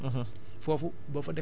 maanaam rëy na li muy couvrir